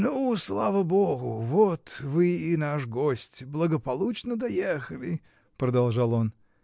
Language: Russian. — Ну, слава Богу, вот вы и наш гость, благополучно доехали. — продолжал он.